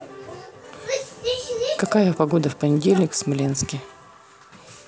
какая погода в понедельник в смоленске